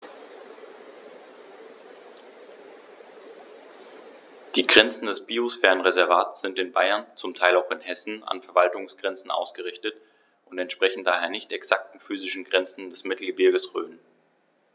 Die Grenzen des Biosphärenreservates sind in Bayern, zum Teil auch in Hessen, an Verwaltungsgrenzen ausgerichtet und entsprechen daher nicht exakten physischen Grenzen des Mittelgebirges Rhön.